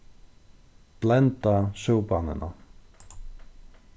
blenda súpanina